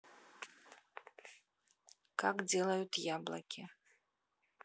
как делают яблоки